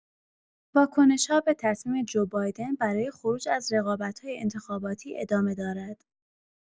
واکنش‌ها به تصمیم جو بایدن برای خروج از رقابت‌های انتخاباتی ادامه دارد.